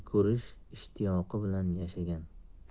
ko'rish ishtiyoqi bilan yashagan